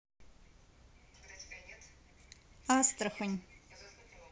астрахань